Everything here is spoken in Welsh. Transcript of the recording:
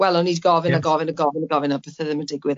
Wel o'n i 'di gofyn a gofyn a gofyn a gofyn a pythe ddim yn digwydd.